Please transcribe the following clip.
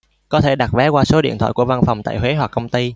có thể đặt vé qua số điện thoại của văn phòng tại huế hoặc công ty